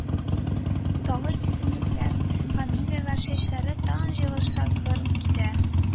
Тагы исемнәр, фамилияләр чәчелә, тагы җыелыш гөр килә